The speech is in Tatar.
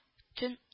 Төн